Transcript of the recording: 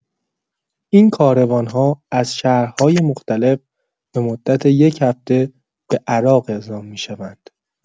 این کاروان‌ها از شهرهای مختلف به مدت یک هفته به عراق اعزام می‌شوند.